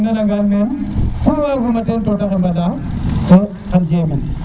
konn nana ngan meen ku wagu ma teen to te xembena xam jemin